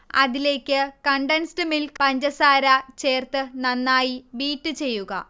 അതിലേക്ക് condensed milk, പഞ്ചസാര ചേർത്ത് നന്നായി ബീറ്റ് ചെയ്യുക